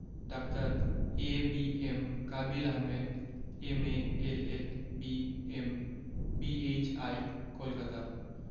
ডাঃ A B M Kabil Ahmed M A L L B M B H I Kolkata